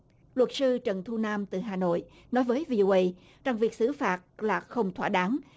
luật sư trần thu nam từ hà nội nói với vi ô ây trong việc xử phạt là không thỏa đáng